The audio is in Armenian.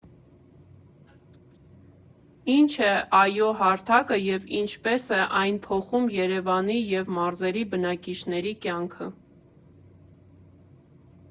Ինչ է ԱՅՈ հարթակը և ինչպես է այն փոխում Երևանի և մարզերի բնակիչների կյանքը։